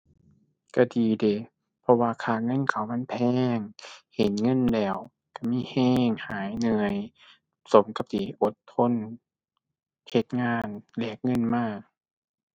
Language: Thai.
ก็ดีเดะ เพราะว่าค่าเงินเขามันแพง เห็นเงินแล้วก็มีก็ หายเหนื่อย สมกับที่อดทน เฮ็ดงานแลกเงินมา